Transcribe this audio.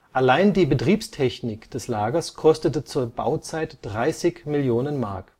Allein die Betriebstechnik des Lagers kostete zur Bauzeit 30 Millionen Mark